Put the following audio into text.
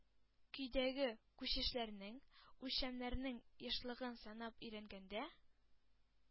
Көйдәге күчешләрнең, үлчәмнәрнең ешлыгын санап өйрәнгәндә,